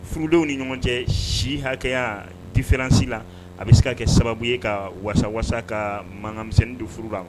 Furudenw ni ɲɔgɔn cɛ si hakɛya difiransi la a bɛ se ka kɛ sababu ye ka walasa ka mankangamisɛn don furu la